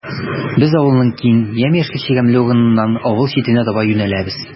Без авылның киң, ямь-яшел чирәмле урамыннан авыл читенә таба юнәләбез.